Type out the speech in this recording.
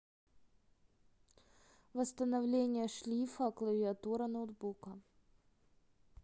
восстановление шлифа клавиатура ноутбука